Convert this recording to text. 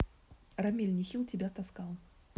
рамиль nihil тебя таскал